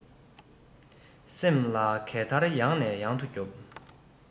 སེམས ལ གད བདར ཡང ནས ཡང དུ རྒྱོབ